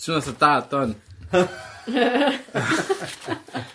Teimlo fatha dad ŵan.